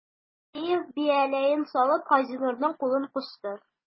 Соловеев, бияләен салып, Газинурның кулын кысты.